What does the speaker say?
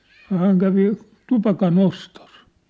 no hän kävi tupakanostossa